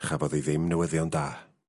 chafodd hi ddim newyddion da.